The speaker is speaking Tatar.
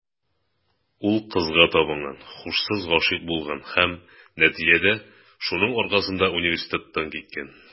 Ул кызга табынган, һушсыз гашыйк булган һәм, нәтиҗәдә, шуның аркасында университеттан киткән.